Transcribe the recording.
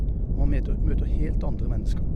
Og man meter møter helt andre mennesker.